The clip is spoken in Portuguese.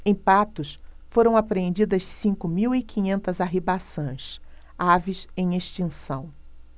em patos foram apreendidas cinco mil e quinhentas arribaçãs aves em extinção